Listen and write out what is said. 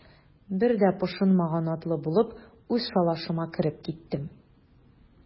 Бер дә пошынмаган атлы булып, үз шалашыма кереп киттем.